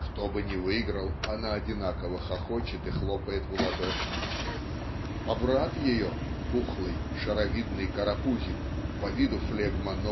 "кто бы ни выиграл, она одинаково хохочет и хлопает в ладоши". А брат ее "пухлый шаровидный карапузик по виду флегма